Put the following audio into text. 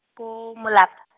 ko, Molap-.